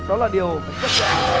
đó là điều không tránh